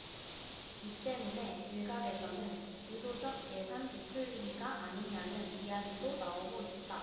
이 때문에 일각에서는 의도적예산 부풀리기가 아니냐는 이야기도 나오고 있다